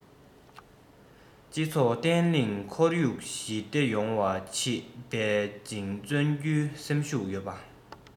སྤྱི ཚོགས བརྟན ལྷིང ཁོར ཡུག ཞི བདེ ཡོང ཕྱིར འབད ཅིང བརྩོན རྒྱུའི སེམས ཤུགས ཡོད པ